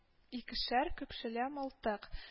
Икешәр көпшәле мылтык